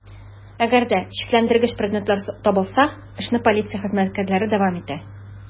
Әгәр дә шикләндергеч предметлар табылса, эшне полиция хезмәткәрләре дәвам итә.